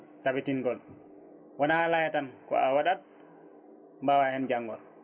tabitingol wona laaya tan ko a waɗat mbawa hen janggor